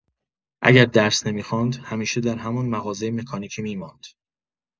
اگر درس نمی‌خواند، همیشه در همان مغازۀ مکانیکی می‌ماند.